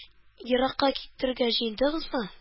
Еракка китәргә җыендыгызмы?